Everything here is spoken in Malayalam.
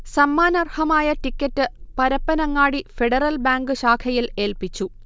സമ്മാനർഹമായ ടിക്കറ്റ് പരപ്പനങ്ങാടി ഫെഡറൽ ബാങ്ക് ശാഖയിൽ ഏൽപിച്ചു